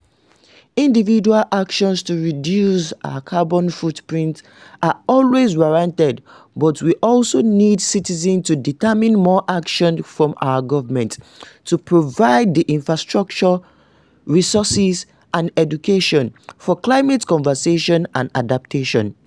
Individual actions to reduce our carbon footprintare are always warranted but we also need citizens to demand more action from our governments to provide the infrastructure, resources and education for climate conservation and adaptation.